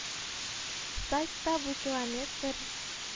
Сайтта букилометр